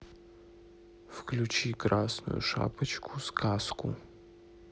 включи красную шапочку сказку